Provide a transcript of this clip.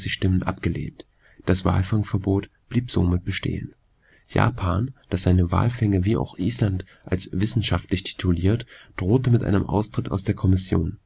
Stimmen abgelehnt; das Walfangverbot blieb somit bestehen. Japan, das seine Walfänge wie auch Island als wissenschaftlich tituliert, drohte mit einem Austritt aus der Kommission